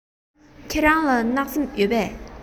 ཁྱེད རང ལ སྣག ཚ ཡོད པས